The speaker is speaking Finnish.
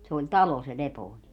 se oli talo se Lepooni